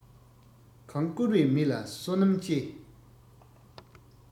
གང བཀུར བའི མི ལ བསོད ནམས སྐྱེ